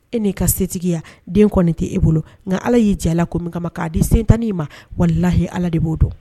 E n'i ka se tigiya den kɔni tɛ e bolo nka ala y'i jɛ ko min kama ma k'a di sen tannin ma walalahi ala de b'o dɔn